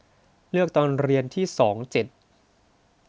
เลือกตอนเรียนที่สองเจ็ด